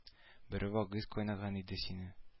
Бүре вәгыйз кыйнаган иде сине